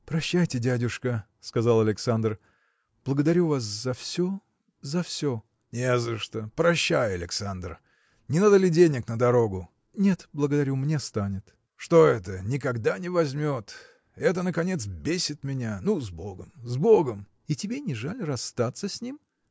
– Прощайте, дядюшка, – сказал Александр. – Благодарю вас за все, за все. – Не за что! Прощай, Александр! Не надо ли денег на дорогу? – Нет, благодарю: мне станет. – Что это, никогда не возьмет! это, наконец, бесит меня. Ну, с богом, с богом. – И тебе не жаль расстаться с ним?